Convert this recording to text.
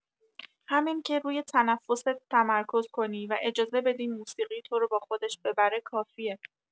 همین که روی تنفست تمرکز کنی و اجازه بدی موسیقی تو رو با خودش ببره کافیه.